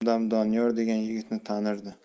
hamdam doniyor degan yigitni tanirdi